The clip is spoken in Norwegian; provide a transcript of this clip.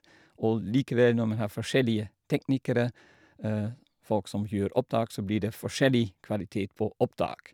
Og likevel når man har forskjellige teknikere, folk som gjør opptak, så blir det forskjellig kvalitet på opptak.